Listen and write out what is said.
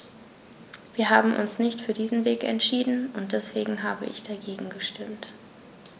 Wir haben uns nicht für diesen Weg entschieden, und deswegen habe ich dagegen gestimmt.